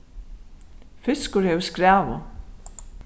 fiskur hevur skræðu